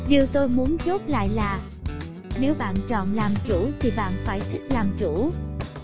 điều tôi muốn chốt lại trong status này là nếu nạn chọn làm chủ thì bạn phải thích làm chủ